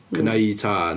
Cynnau tân.